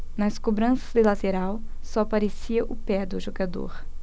nas cobranças de lateral só aparecia o pé do jogador